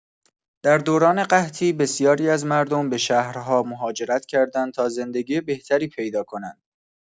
در دوران قحطی، بسیاری از مردم به شهرها مهاجرت کردند تا زندگی بهتری پیدا کنند.